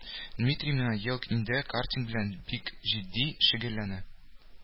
Дмитрий менә ел инде картинг белән бик җитди шөгыльләнә